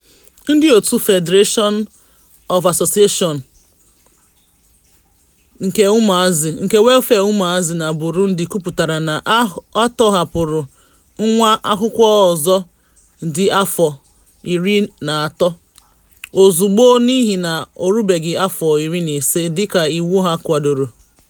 The National Federation of Associations Engaged in Children's Welfare na Burundi kwupụtara na a tọhapụrụ nwa akwụkwọ ọzọ, dị afọ 13, ozugbo n'ihi na orubeghị afọ 15 dịka iwu ha kwadoro.